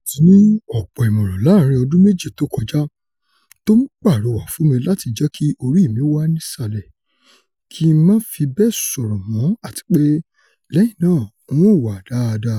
Mo ti ní ọpọ ìmọràn láàrin ọdún méjì tókọjá tó ńpàrọwà fún mi láti jẹ́kí orí mi wà nísàlẹ̀, kí ńmá fí bẹ́ẹ̀ sọ̀rọ̀ mọ́ àtipé lẹ́yìn náà N ó ''wà dáadáa.''